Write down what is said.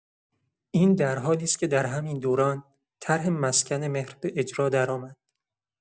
این درحالی است که در همین دوران، طرح مسکن مهر به اجرا درآمد.